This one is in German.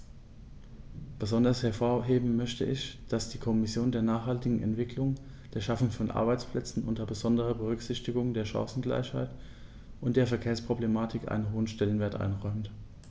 Besonders hervorheben möchte ich, dass die Kommission der nachhaltigen Entwicklung, der Schaffung von Arbeitsplätzen unter besonderer Berücksichtigung der Chancengleichheit und der Verkehrsproblematik einen hohen Stellenwert einräumt.